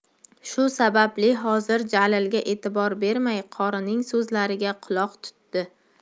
shu sababli hozir jalilga e'tibor bermay qorining so'zlariga quloq tutdi